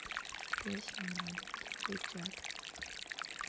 песня маленьких утят